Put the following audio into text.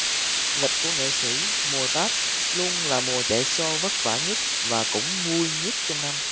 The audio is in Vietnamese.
lịch của nghệ sĩ mùa tết luôn là mùa chạy show vất vả nhất và cũng vui nhất trong năm